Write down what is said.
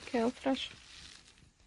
Kêl ffres.